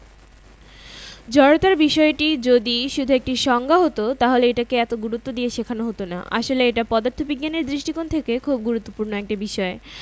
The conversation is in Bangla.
জড়তার বিষয়টি যদি শুধু একটা সংজ্ঞা হতো তাহলে এটাকে এত গুরুত্ব দিয়ে শেখানো হতো না আসলে এটা পদার্থবিজ্ঞানের দৃষ্টিকোণ থেকে খুব গুরুত্বপূর্ণ একটা বিষয়